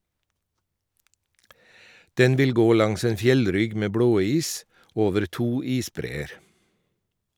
Den vil gå langs en fjellrygg med blåis, over to isbreer.